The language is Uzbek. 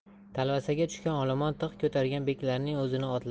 talvasaga tushgan olomon tig' ko'targan beklarning o'zini